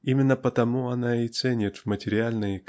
Именно потому она и ценит в материальной